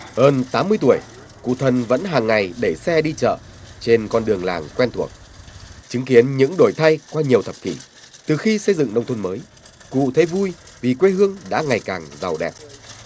hơn tám mươi tuổi cụ ân vẫn hằng ngày đẩy xe đi chợ trên con đường làng quen thuộc chứng kiến những đổi thay qua nhiều thập kỷ từ khi xây dựng nông thôn mới cụ thấy vui vì quê hương đã ngày càng giàu đẹp